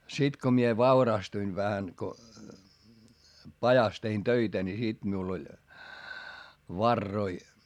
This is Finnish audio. sitten kun minä vaurastuin vähän kun pajassa tein töitä niin sitten minulla oli varoja